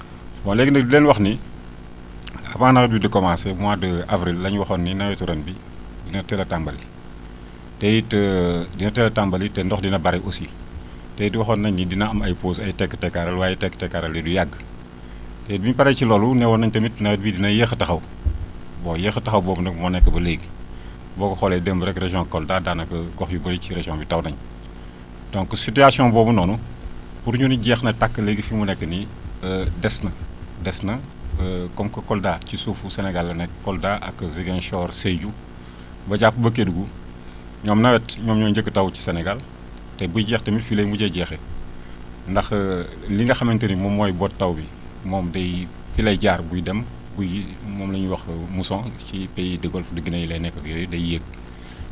bon léegi nag di leen wax ni avant nawet bi di commencé mois de avril lañu waxoon ni nawetu ren bii dina teel a tàmbali te it dina teel a tàmbali te ndox dina bëri aussi te it waxoon nañu dina am ay pauses ay tekktekkaaral waaye tekk-tekkaaral yooyu du yàgg te bi ñu paree ci loolu newoon nañu tamit nawet bi dina yéex a taxaw bon yéex a taxaw bobu nag moo nekk ba léegi boo ko xoolee démb rek région Kolda daanaka gox yu bëri ci région bi taw nañ donc situation boobu noonu pour ñu ni jeex na tàq léegi fu mu nekk nii des na des na comme que Kolda ci suufu Sénégal la nekk Kolda ak Ziguinchor Sedhiou ba jàpp ba Kédougou ñoom nawet ñoom ñooy njëkk a taw Sénégal te buy jeex tamit fii lay mujjee jeexee ndax li nga xamante ni moom mooy boot taw bi moom day fii lay jaar buy dem buy moom la ñuy wax mousson ak ci pays Golf de Guinée yi lay nekk ak yooyu day yéeg